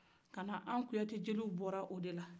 an kuyate jeliw bɔra o de la